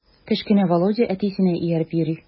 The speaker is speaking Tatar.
Кечкенә Володя әтисенә ияреп йөри.